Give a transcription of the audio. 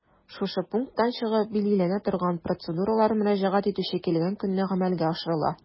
Шушы пункттан чыгып билгеләнә торган процедуралар мөрәҗәгать итүче килгән көнне гамәлгә ашырыла.